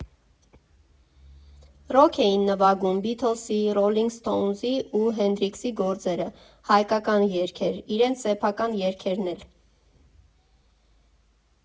Ռոք էին նվագում, Բիթլզի, Ռոլինգ Սթոունզի ու Հենդրիքսի գործերը, հայկական երգեր, իրենց սեփական երգերն էլ։